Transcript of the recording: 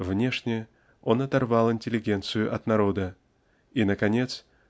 внешне--он оторвал интеллигенцию от народа и наконец